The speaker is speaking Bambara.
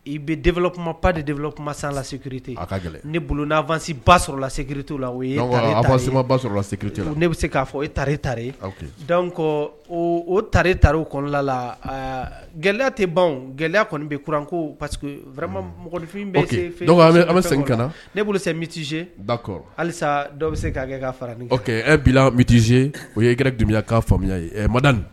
I bɛkumama pa de delɔkuma salate ka gɛlɛn ne bolofasiba sɔrɔla la oba sɔrɔla la ne bɛ se k'a fɔ e tare ta kɔ o ta tari o kɔnɔla la gɛlɛya tɛ ban gɛlɛya kɔni bɛ kuran ko parce que mɔgɔninfin bɛ se an bɛ segin ka na ne bolo setizse ba halisa dɔw bɛ se k'a kɛ ka fara e bila misitizse o ye gmiya ka faamuyamuya ye mada